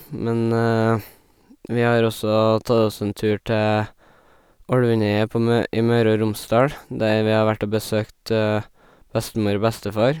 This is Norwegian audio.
Men vi har også tatt oss en tur til Ålvundeidet på mø i Møre og Romsdal, der vi har vært og besøkt bestemor og bestefar.